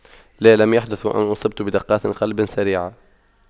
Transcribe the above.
لا لم يحدث وأن اصبت بدقات قلب سريعة